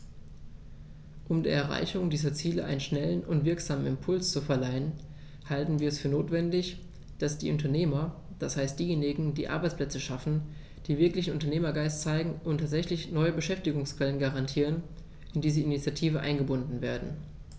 Um der Erreichung dieser Ziele einen schnellen und wirksamen Impuls zu verleihen, halten wir es für notwendig, dass die Unternehmer, das heißt diejenigen, die Arbeitsplätze schaffen, die wirklichen Unternehmergeist zeigen und tatsächlich neue Beschäftigungsquellen garantieren, in diese Initiative eingebunden werden.